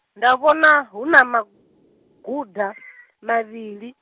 nda vhona huna, maguḓa, mavhili.